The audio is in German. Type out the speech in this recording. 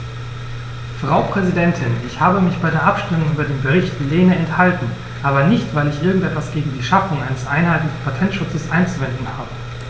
Frau Präsidentin, ich habe mich bei der Abstimmung über den Bericht Lehne enthalten, aber nicht, weil ich irgend etwas gegen die Schaffung eines einheitlichen Patentschutzes einzuwenden habe.